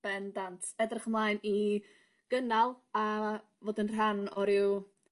Ben dant edrych ymlaen i gynnal a fod yn rhan o ryw